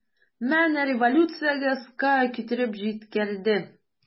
Менә революциягез кая китереп җиткерде!